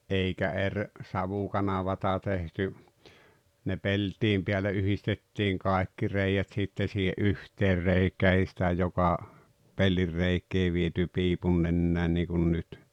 eikä eri savukanavaa tehty ne peltien päälle yhdistettiin kaikki reiät sitten siihen yhteen reikään ei sitä joka pellinreikää viety piipunnenään niin kuin nyt